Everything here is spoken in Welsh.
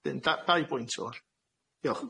'Dyn da- dau bwynt oll. Diolch.